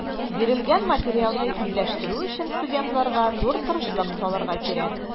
Бирелгән материалны үзләштерү өчен студентларга зур тырышлык салырга кирәк.